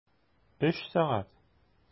Өч сәгать!